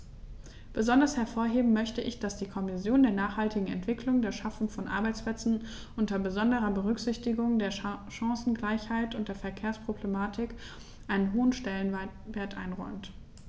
Besonders hervorheben möchte ich, dass die Kommission der nachhaltigen Entwicklung, der Schaffung von Arbeitsplätzen unter besonderer Berücksichtigung der Chancengleichheit und der Verkehrsproblematik einen hohen Stellenwert einräumt.